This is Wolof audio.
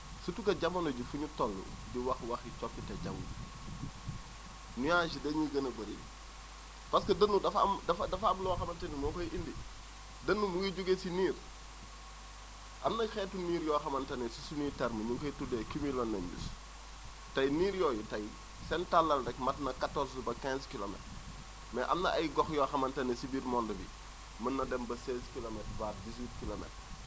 surtout que jamono jii fi ñu toll di wax waxi coppite jaww ji nuages yi dañuy gën a bëri parce dënnu dafa am dafa dafa am loo xamante ni moo koy indi dënnu mu ngi jugee si niir am nay xeetu niir yoo xamante ni si suñuy termes ñu ngi koy tuddee * tey niir yooyu tey seen tallal rek mat na 14 ba 15 kilomètres mais am na ay gox yoo xamante ni si biir monde bi mën na dem ba 16 kilomètres voire 18 kilomètres